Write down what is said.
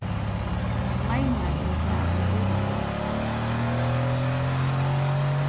meinar tú tað í álvara